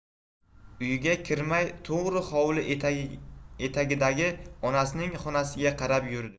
uyiga kirmay to'g'ri hovli etagidagi onasining xonasiga qarab yurdi